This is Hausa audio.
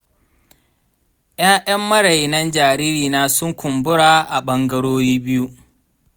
ƴaƴan marainan jaririna suna kumbura a bangarorin biyu.